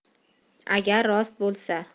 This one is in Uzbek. agar rost bo'lsa